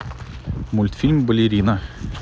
мультфильм балерина